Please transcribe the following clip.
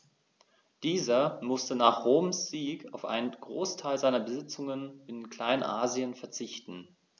Dieser musste nach Roms Sieg auf einen Großteil seiner Besitzungen in Kleinasien verzichten.